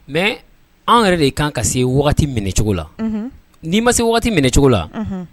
Mɛ an yɛrɛ de kan ka se waati minɛcogo la n'i ma se waati minɛcogo la